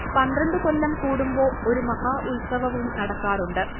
പന്ത്രണ്ടു കൊല്ലം കൂടുമ്പോ ഒരു മഹാ ഉത്സവവും നടക്കാറുണ്ട്